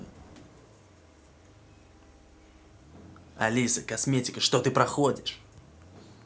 алиса косметика что ты проходишь